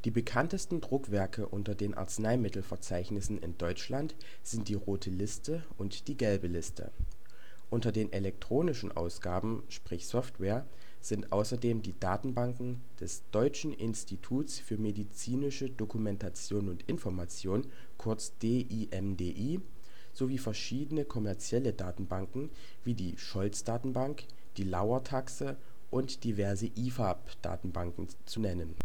bekanntesten Druckwerke unter den Arzneimittelverzeichnissen in Deutschland sind die Rote Liste und die Gelbe Liste. Unter den elektronischen Ausgaben (Software) sind außerdem die Datenbanken des Deutschen Instituts für Medizinische Dokumentation und Information (DIMDI) sowie verschiedene kommerzielle Datenbanken wie die Scholz-Datenbank, die Lauer-Taxe und diverse ifap-Datenbanken und zu nennen